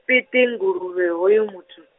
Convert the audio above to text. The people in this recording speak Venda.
Piet Nguluvhe hoyu muthu.